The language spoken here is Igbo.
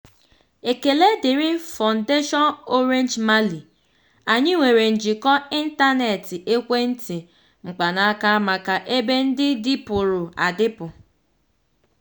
Ekele dịrị Fondation Orange Mali, anyị nwere njịkọ ịntanentị ekwentị mkpanaka maka ebe ndị dịpụrụ adịpụ.